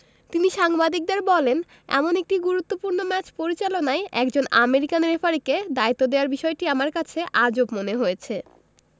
তিনি সাংবাদিকদের বলেন এমন একটি গুরুত্বপূর্ণ ম্যাচ পরিচালনায় একজন আমেরিকান রেফারিকে দায়িত্ব দেয়ার বিষয়টি আমার কাছে আজব মনে হয়েছে